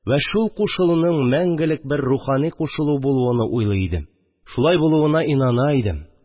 Вә шул кушылуның мәңгелек бер рухани кушылу булуыны уйлый идем; шулай булуына инана идем